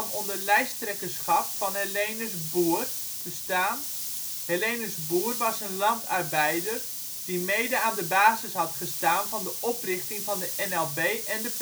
onder lijsttrekkerschap van Helenus Boer (1908-1981) te staan. Helenus Boer was een landarbeider die mede aan de basis had gestaan van de oprichting van de NLB en de